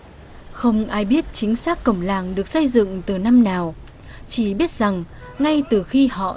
không ai biết chính xác cổng làng được xây dựng từ năm nào chỉ biết rằng ngay từ khi họ